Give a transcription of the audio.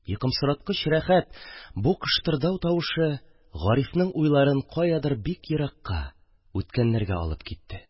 Йокымсыраткыч рәхәт бу кыштырдау тавышы Гарифның уйларын каядыр бик еракка, үткәннәргә алып китте.